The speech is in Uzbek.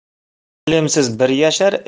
ilmsiz bir yashar